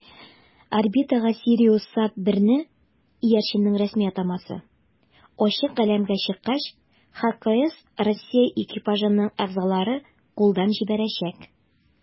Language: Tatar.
Орбитага "СириусСат-1"ны (иярченнең рәсми атамасы) ачык галәмгә чыккач ХКС Россия экипажының әгъзалары кулдан җибәрәчәк.